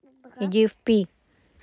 иди в пи